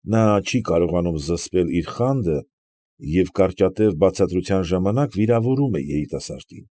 Նա չի կարողանում զսպել իր խանդը և կարճատև բացակայության ժամանակ վիրավորում է երիտասարդին։